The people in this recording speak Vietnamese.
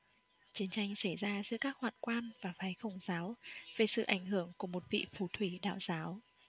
chiến tranh xảy ra giữa các hoạn quan và phái khổng giáo về sự ảnh hưởng của một vị phù thủy đạo giáo